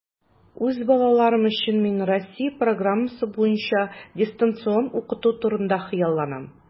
Үз балаларым өчен мин Россия программасы буенча дистанцион укыту турында хыялланам.